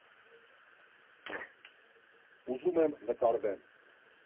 ֊ Ուզում եմ նկարվեմ…